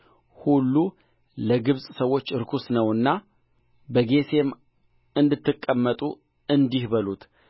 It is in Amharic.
በጌሤም እንዲቀበለው በፊቱ ወደ ዮሴፍ ላከ ወደ ጌሤም ምድርም ደረሱ